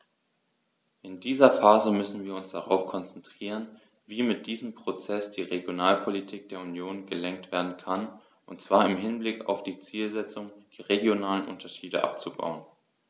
In dieser Phase müssen wir uns darauf konzentrieren, wie mit diesem Prozess die Regionalpolitik der Union gelenkt werden kann, und zwar im Hinblick auf die Zielsetzung, die regionalen Unterschiede abzubauen.